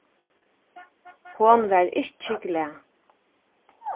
hon var ikki glað